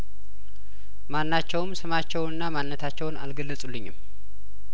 ማናቸውም ስማቸውንና ማንነታቸውን አልገለጹ ልኝም